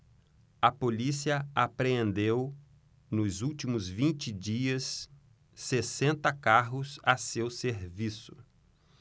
a polícia apreendeu nos últimos vinte dias sessenta carros a seu serviço